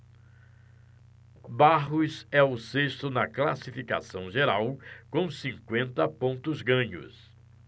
barros é o sexto na classificação geral com cinquenta pontos ganhos